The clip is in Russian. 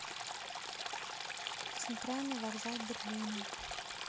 центральный вокзал берлина